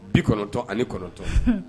Bi kɔnɔntɔ ani kɔnɔntɔn